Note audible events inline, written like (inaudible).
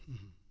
(hesitation) (hesitation)